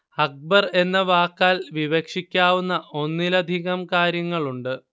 അക്ബർ എന്ന വാക്കാൽ വിവക്ഷിക്കാവുന്ന ഒന്നിലധികം കാര്യങ്ങളുണ്ട്